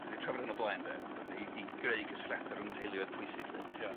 Dwi 'di trafod hwn o blaen de yn i i greu cysylltiada rhwng teuluoedd pwysig 'lly. Ia.